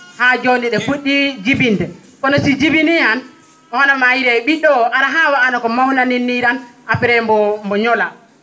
ha jooni ?e pu??i jinbinde kono so jibini han ono maayire ?i??o o ara ha wano ko mawnamin ni tan après mbo ñoola